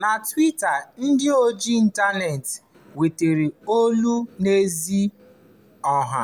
Na Twitter, ndị oji intaneetị welitere olu n'ozi ahụ.